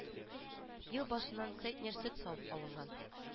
Ел башыннан центнер сөт савып алынган